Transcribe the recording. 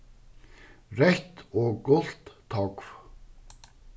reytt og gult tógv